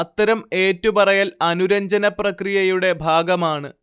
അത്തരം ഏറ്റുപറയൽ അനുരഞ്ജനപ്രക്രിയയുടെ ഭാഗമാണ്